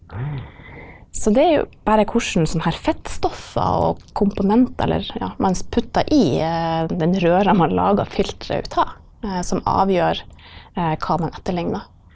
så det er jo bare hvordan sånn her fettstoffer og komponenter eller ja man putter i den røra man lager filteret ut av som avgjør hva den etterligner.